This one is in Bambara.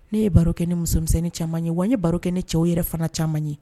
Ne ye baro kɛ ni musomisɛnnin caman ye wa n ye baro kɛ ni cɛw yɛrɛ fana caman ye